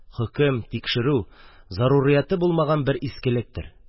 Хөкем, тикшерү – зарурияте булмаган бер искелектер.